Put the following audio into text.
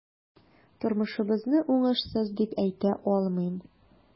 Тормышыбызны уңышсыз дип әйтә алмыйм.